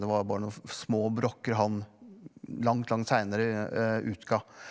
det var bare noen små brokker han langt langt seinere utga.